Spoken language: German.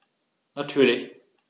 Natürlich.